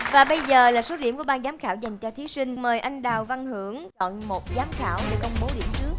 và bây giờ là số điểm của ban giám khảo dành cho thí sinh mời anh đào văn hưởng chọn một giám khảo để công bố điểm trước